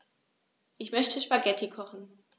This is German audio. Ich möchte Spaghetti kochen.